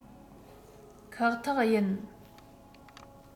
ཁག ཐེག ཡིན